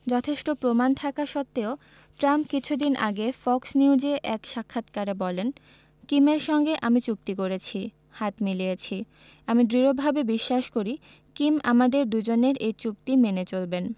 যথেষ্ট প্রমাণ থাকা সত্ত্বেও ট্রাম্প কিছুদিন আগে ফক্স নিউজে এক সাক্ষাৎকারে বলেন কিমের সঙ্গে আমি চুক্তি করেছি হাত মিলিয়েছি আমি দৃঢ়ভাবে বিশ্বাস করি কিম আমাদের দুজনের এই চুক্তি মেনে চলবেন